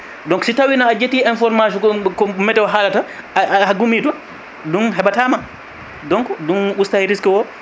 donc si tawi no a ƴetti information kom ko météo haalata a a gomi to ɗum heeɓatama donc ɗum ustay rique o